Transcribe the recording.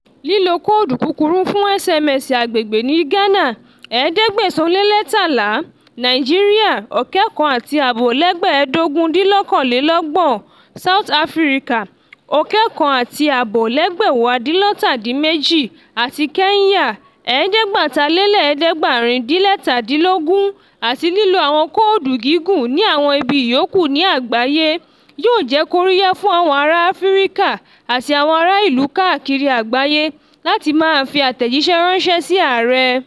Lílo kóòdù kúkúrú fún SMS agbègbè ní Ghana (1713), Nàìjíríà (32969), South Africa (31958) àti Kenya (5683), àti lílo àwọn kóòdù gígùn ní àwọn ibi yòókù ní àgbáyé *, yóò jẹ́ kóríyá fún àwọn ará Áfíríkà àti àwọn ará ìlú káàkiri àgbáyé láti máa fi àtẹ̀jíṣẹ́ ránṣẹ́ sí Ààrẹ.